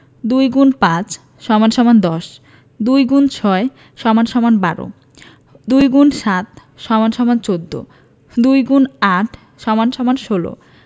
২ X ৫ = ১০ ২ X ৬ = ১২ ২ X ৭ = ১৪ ২ X ৮ = ১৬